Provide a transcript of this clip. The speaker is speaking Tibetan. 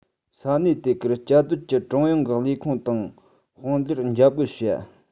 ས གནས དེ གར བཅའ སྡོད ཀྱི ཀྲུང དབྱང གི ལས ཁུངས དང དཔུང སྡེར འཇབ རྒོལ བྱས པ